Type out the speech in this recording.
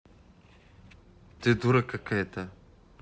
ты дура какая то